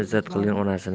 izzat qilgin onasin